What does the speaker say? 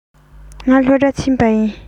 ང སློབ གྲྭར ཕྱིན པ ཡིན